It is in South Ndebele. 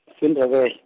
-siNdebele.